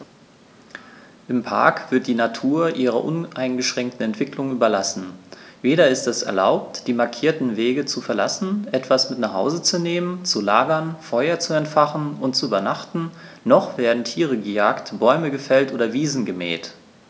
Im Park wird die Natur ihrer uneingeschränkten Entwicklung überlassen; weder ist es erlaubt, die markierten Wege zu verlassen, etwas mit nach Hause zu nehmen, zu lagern, Feuer zu entfachen und zu übernachten, noch werden Tiere gejagt, Bäume gefällt oder Wiesen gemäht.